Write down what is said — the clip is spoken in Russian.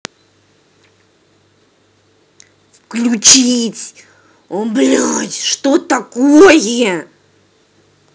включить о блядь что такое